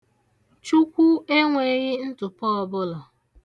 Chukwu enweghị ntụpọ ọbụla.